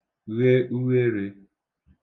ghe ugherē